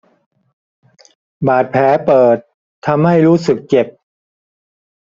บาลแผลเปิดทำให้รู้สึกเจ็บ